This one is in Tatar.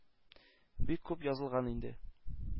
Бик күп язылган инде.